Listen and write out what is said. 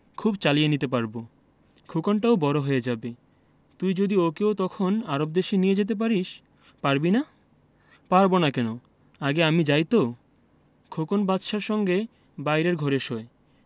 খুব চালিয়ে নিতে পারব খোকনটাও বড় হয়ে যাবে তুই যদি ওকেও তখন আরব দেশে নিয়ে যেতে পারিস পারবি না পারব না কেন আগে আমি যাই তো খোকন বাদশার সঙ্গে বাইরের ঘরে শোয়